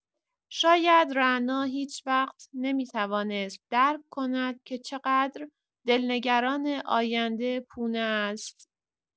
شاید رعنا هیچ‌وقت نمی‌توانست درک کند که چقدر دلنگران آیندۀ پونه است.